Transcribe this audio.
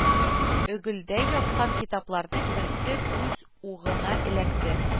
Оггэлдә яткан китапларның берсе күз угына эләкте